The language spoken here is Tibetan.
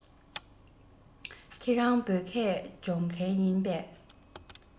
ཁྱེད རང བོད སྐད སྦྱོང མཁན ཡིན པས